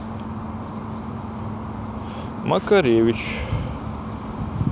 макаревич